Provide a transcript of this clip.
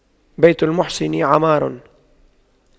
بيت المحسن عمار